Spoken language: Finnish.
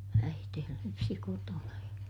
äiti lypsi kotona ja